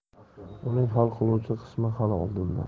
uning hal qiluvchi qismi hali oldinda